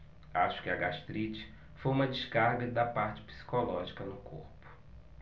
acho que a gastrite foi uma descarga da parte psicológica no corpo